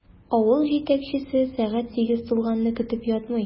Авыл җитәкчесе сәгать сигез тулганны көтеп ятмый.